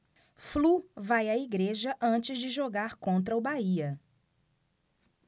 flu vai à igreja antes de jogar contra o bahia